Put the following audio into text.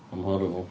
Am horrible.